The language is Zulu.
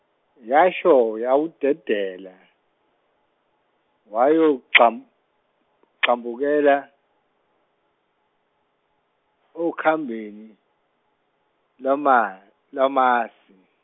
yasho yawudedela wayogxam- xambukela, okhambeni lwana- lwamasi.